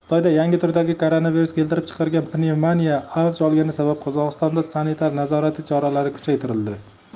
xitoyda yangi turdagi koronavirus keltirib chiqargan pnevmoniya avj olgani sababli qozog'istonda sanitar nazorati choralari kuchaytirildi